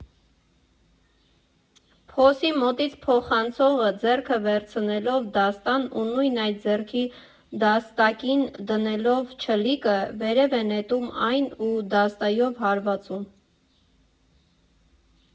Փոսի մոտից փոխանցողը, ձեռքը վերցնելով դաստան ու նույն այդ ձեռքի դաստակին դնելով չլիկը, վերև է նետում այն ու դաստայով հարվածում։